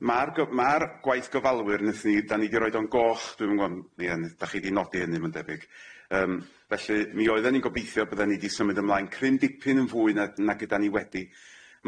Ma'r go- ma'r gwaith gyfalwyr nethon ni 'dan ni di roid o'n goch dwi'm yn gwbo', ia dach chi 'di nodi hynny ma'n debyg yym felly mi oedden ni'n gobeithio bydden ni 'di symud ymlaen cryn dipyn yn fwy na nag ydan ni wedi.